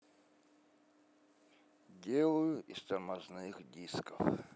делаю из тормозных дисков